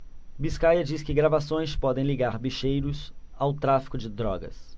biscaia diz que gravações podem ligar bicheiros ao tráfico de drogas